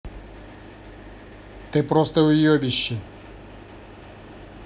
ты просто уебище